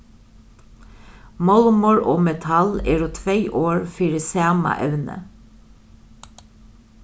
málmur og metal eru tvey orð fyri sama evni